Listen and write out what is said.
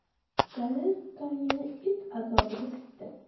jalil tongni it azobida kutdi